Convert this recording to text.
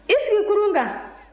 i sigi kurun kan